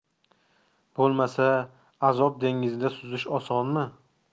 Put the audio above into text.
bo'lmasa azob dengizda suzish osonmi